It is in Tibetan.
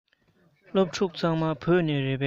སློབ ཕྲུག ཚང མ བོད ལྗོངས ནས རེད པས